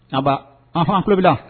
An baa, ɔnhɔn, n tulo bɛ i la.